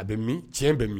A bɛ min tiɲɛ bɛ min